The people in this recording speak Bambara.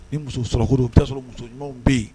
Ni muso' sɔrɔ muso ɲumanw bɛ yen